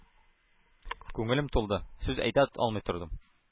Күңелем тулды, сүз әйтә алмый тордым.